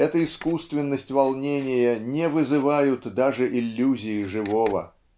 эта искусственность волнения не вызывают даже иллюзии живого.